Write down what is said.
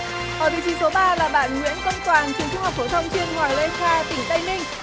ở vị trí thứ ba là bạn nguyễn quang toàn trường trung học phổ thông chuyên hoàng lê kha tỉnh tây ninh